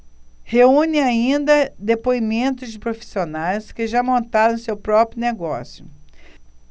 reúne ainda depoimentos de profissionais que já montaram seu próprio negócio